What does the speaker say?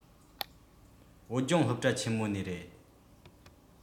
བོད ལྗོངས སློབ གྲྭ ཆེན མོ ནས རེད